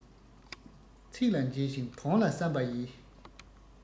ཚིག ལ མཇལ ཞིང དོན ལ བསམ པ ཡིས